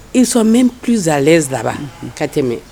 I sɔn n mɛ ki zalensaban ka tɛmɛ